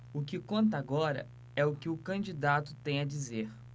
o que conta agora é o que o candidato tem a dizer